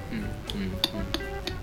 N